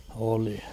oli